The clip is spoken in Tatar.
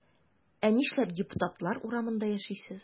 Ә нишләп депутатлар урамында яшисез?